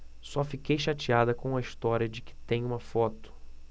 só fiquei chateada com a história de que tem uma foto